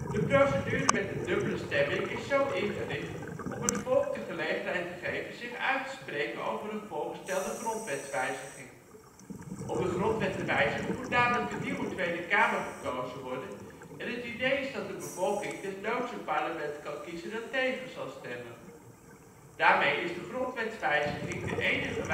De procedure met de dubbele stemming is zo ingericht om het volk de gelegenheid te geven zich uit te spreken over een voorgestelde grondwetswijziging. Om de grondwet te wijzigen, moet namelijk een nieuwe Tweede Kamer gekozen worden en het idee is dat de bevolking desnoods een parlement kan kiezen dat tegen zal stemmen. Daarmee is de grondwetswijziging de enige